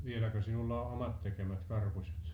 vieläkö sinulla on omat tekemät karpuset